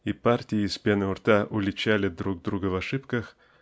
и партии с пеной у рта уличали друг друга в ошибках